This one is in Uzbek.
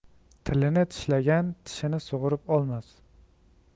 tilini tishlagan tishini sug'urib olmas